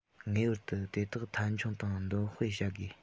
ངེས པར དུ དེ དག མཐའ འཁྱོངས དང འདོན སྤེལ བྱ དགོས